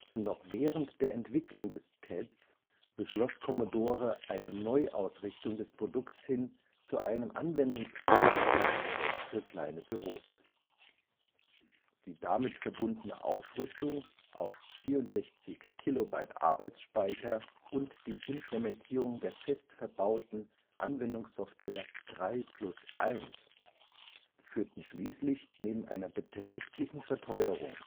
Noch während der Entwicklung des TEDs beschloss Commodore eine Neuausrichtung des Produkts hin zu einem anwendungsorientierten Gerät für kleinere Büros. Die damit verbundene Aufrüstung auf 64 Kilobyte (KB) Arbeitsspeicher und die Implementierung der fest verbauten Anwendungssoftware 3-plus-1 führten schließlich neben einer beträchtlichen Verteuerung